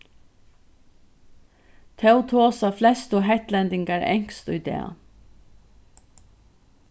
tó tosa flestu hetlendingar enskt í dag